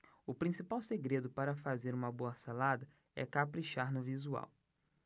o principal segredo para fazer uma boa salada é caprichar no visual